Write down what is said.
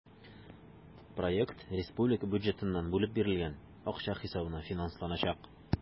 Проект республика бюджетыннан бүлеп бирелгән акча хисабына финансланачак.